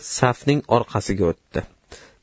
safning orqasiga o'tdi